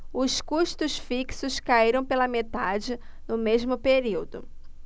os custos fixos caíram pela metade no mesmo período